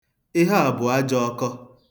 Ihe a bụ ajọ ọkọ.